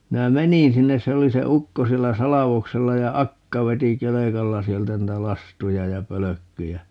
minä menin sinne se oli se ukko siellä salvoksella ja akka veti kelkalla sieltä niitä lastuja ja pölkkyjä